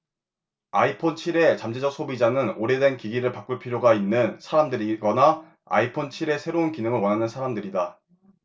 아이폰 칠 의 잠재적 소비자는 오래된 기기를 바꿀 필요가 있는 사람들이거나 아이폰 칠 의 새로운 기능들을 원하는 사람들이다